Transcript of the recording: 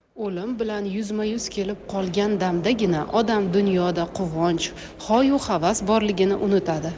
o'lim bilan yuzma yuz kelib qolgan damdagina odam dunyoda quvonch xoyu havas borligini unutadi